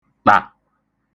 ṭà